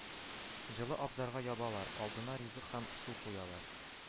Җылы абзарга ябалар, алдына ризык һәм су куялар